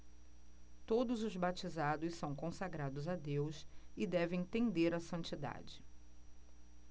todos os batizados são consagrados a deus e devem tender à santidade